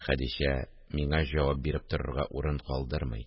Хәдичә, миңа җавап биреп торырга урын калдырмый